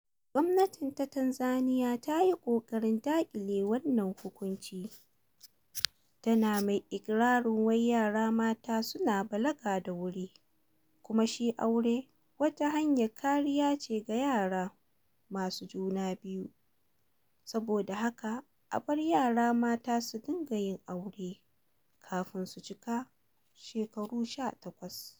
Gwamnatin ta Tanzaniya ta yi ƙoƙarin daƙile wannan hukuncin, tana mai iƙirarin wai yara mata suna balaga da wuri kuma shi aure wata hanyar kariya ce ga yara masu juna biyu. Saboda haka a bar yara mata su dinga yin aure kafin su cika shekaru 18.